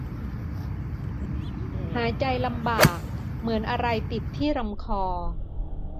หายใจลำบากเหมือนอะไรติดที่ลำคอ